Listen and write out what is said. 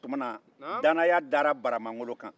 o tuma na dannaya dala buramangolo kan